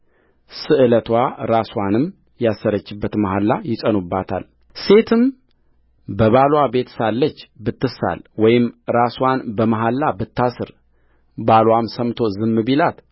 ስእለትዋ ራስዋንም ያሰረችበት መሐላ ይጸኑባታልሴትም በባልዋ ቤት ሳለች ብትሳል ወይም ራስዋን በመሐላ ብታስርባልዋም ሰምቶ ዝም ቢላት